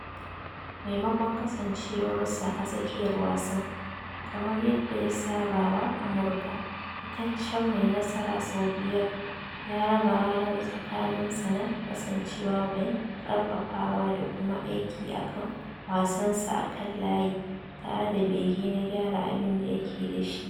Maimakon kasancewarsa a tsakiyar wasan, kamar yadda ya saba wa Amurka, fitaccen mai nasara sau biyar ya raba ranar tsakaninsa na kasancewa mai karfafawa da kuma aiki a kan wasansa a kan layi tare da bege na gyara abin da yake da shi .